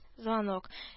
Звонок